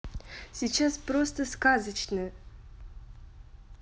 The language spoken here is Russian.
сейчас просто сказочная